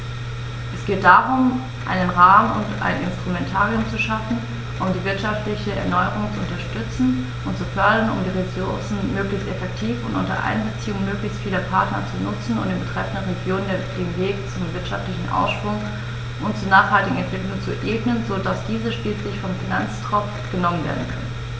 Es geht darum, einen Rahmen und ein Instrumentarium zu schaffen, um die wirtschaftliche Erneuerung zu unterstützen und zu fördern, um die Ressourcen möglichst effektiv und unter Einbeziehung möglichst vieler Partner zu nutzen und den betreffenden Regionen den Weg zum wirtschaftlichen Aufschwung und zur nachhaltigen Entwicklung zu ebnen, so dass diese schließlich vom Finanztropf genommen werden können.